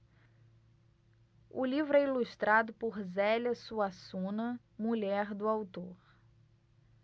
o livro é ilustrado por zélia suassuna mulher do autor